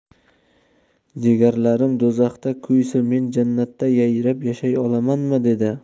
jigarlarim do'zaxda kuysa men jannatda yayrab yashay olamanmi dedi